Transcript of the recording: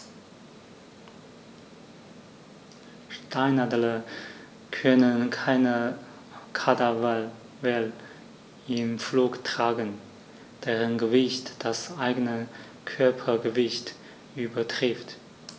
Steinadler können keine Kadaver im Flug tragen, deren Gewicht das eigene Körpergewicht übertrifft.